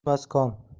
yer suv bitmas kon